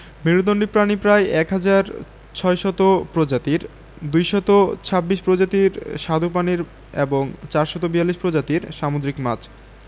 মেরুদন্ডী প্রাণী প্রায় ১হাজার ৬০০ প্রজাতির ২২৬ প্রজাতির স্বাদু পানির এবং ৪৪২ প্রজাতির সামুদ্রিক মাছ